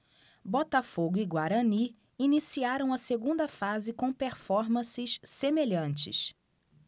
botafogo e guarani iniciaram a segunda fase com performances semelhantes